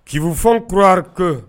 qui vous font croire que